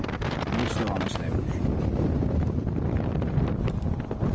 mótstøðan er stór